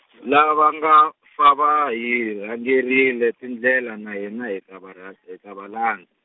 lava nga fa va hi rhangerile tindlela na hina hi ta va rha-, hi ta va landza.